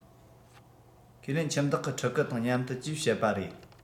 ཁས ལེན ཁྱིམ བདག གི ཕྲུ གུ དང མཉམ དུ ཅེས བཤད པ རེད